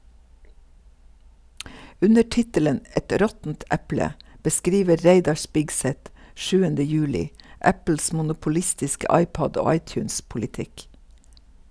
Under tittelen "Et råttent eple" beskriver Reidar Spigseth 7. juli Apples monopolistiske iPod- og iTunes-politikk.